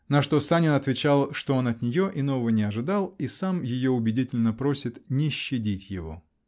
-- на что Санин отвечал, что он от нее иного не ожидал, и сам ее убедительно просит не щадить его!